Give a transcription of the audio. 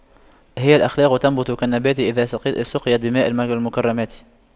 هي الأخلاق تنبت كالنبات إذا سقيت بماء المكرمات